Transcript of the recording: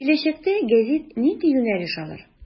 Киләчәктә гәзит нинди юнәлеш алыр.